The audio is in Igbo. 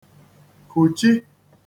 -kùchi